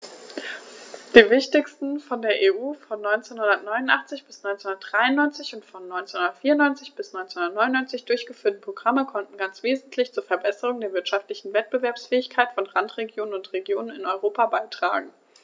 Die wichtigsten von der EU von 1989 bis 1993 und von 1994 bis 1999 durchgeführten Programme konnten ganz wesentlich zur Verbesserung der wirtschaftlichen Wettbewerbsfähigkeit von Randregionen und Regionen in Europa beitragen.